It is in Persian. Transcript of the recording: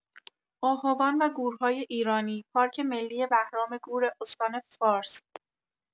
آهوان و گورهای ایرانی، پارک ملی بهرام‌گور استان فارس.